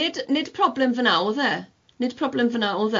nid nid problem fyn'na o'dd e, nid problem fyn'na o'dd e